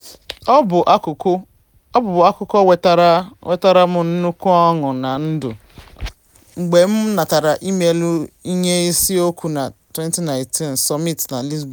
Ọ bụ akụkọ wetara m nnukwu ọṅụ ná ndụ m mgbe m natara imeelụ inye isi okwu na 2019 CC Summit na Lisbon...